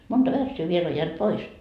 monta värssyä vielä on jäänyt pois